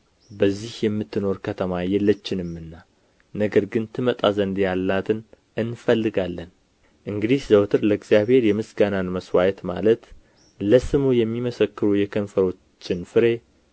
በዚህ የምትኖር ከተማ የለችንምና ነገር ግን ትመጣ ዘንድ ያላትን እንፈልጋለን እንግዲህ ዘወትር ለእግዚአብሔር የምስጋናን መሥዋዕት ማለት ለስሙ የሚመሰክሩ የከንፈሮችን ፍሬ